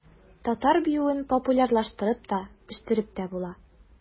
Татар биюен популярлаштырып та, үстереп тә була.